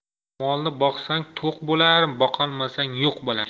molni boqsang to'q bo'lar boqolmasang yo'q bo'lar